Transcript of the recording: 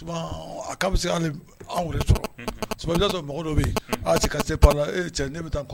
Souvent a cas bɛ se ka hali anw yɛrɛ sɔrɔ, unhun, souvent i bɛ ta'a sɔrɔ mɔgɔ dɔw bɛ yen, unhun, a cɛ ne bɛ taa n kɔ